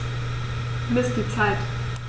Miss die Zeit.